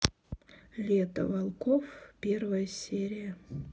лето волков первая серия